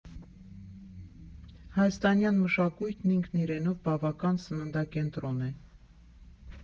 Հայաստանյան մշակույթն ինքն իրենով բավական «սննդակենտրոն» է։